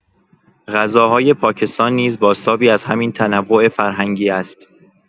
غذاهای پاکستان نیز بازتابی از همین تنوع فرهنگی است.